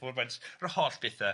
fawr faint yr holl bethau.